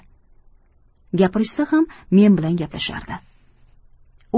gapirishsa ham men bilan gaplashardi